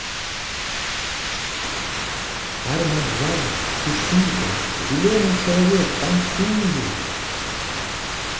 arma ii кусита зеленый человек танцует